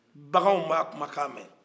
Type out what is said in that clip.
baganw b'a kumankan mɛn